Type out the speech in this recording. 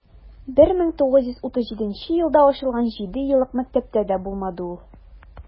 1937 елда ачылган җидееллык мәктәптә дә булмады ул.